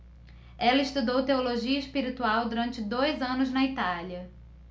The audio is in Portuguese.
ela estudou teologia espiritual durante dois anos na itália